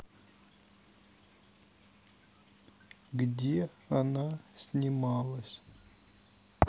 где она снималась